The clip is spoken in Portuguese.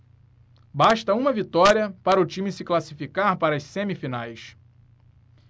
basta uma vitória para o time se classificar para as semifinais